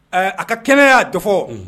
Ɛɛ a ka kɛnɛy'a Dɔfɔ unhun